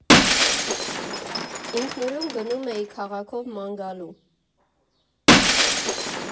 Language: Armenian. Ինքնուրույն գնում էի քաղաքով ման գալու։